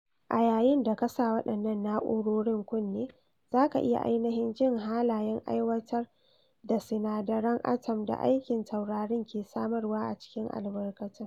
A yayin da ka sa waɗannan na’urorin kunne, za ka iya ainihin jin halayen aiwatar na sinadaran atom da aikin tururin ke samarwa a cikin albarkatun.”